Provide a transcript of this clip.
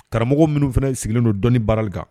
Karamɔgɔ minnu fana sigilen don dɔni baara kan